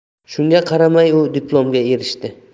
shunga qaramay u diplomga erishdi